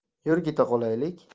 yur keta qolaylik